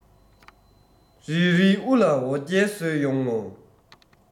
རིལ རིལ དབུ ལ འོ རྒྱལ བཟོས ཡོང ངོ